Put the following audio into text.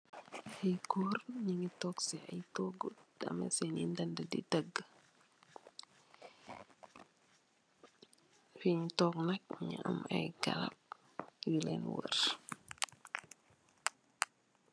Aye goor nuge tonke se aye toogu tanah sene nede de tegeh fung tonke nak nu am aye garab yu len wurr.